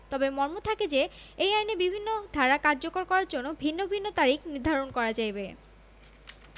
তবে মর্থ থাকে যে এই আইনের বিভিন্ন ধারা কার্যকর করার জন্য ভিন্ন ভিন্ন তারিখ নির্ধারণ করা যাইবে